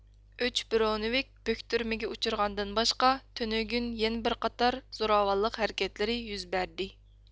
ئۈچ برونېۋىك بۆكتۈرمىگە ئۇچرىغاندىن باشقا تۈنۈگۈن يەنە بىر قاتار زوراۋانلىق ھەرىكەتلىرى يۈز بەردى